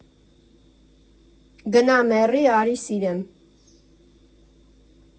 Գնա մեռի՝ արի սիրեմ։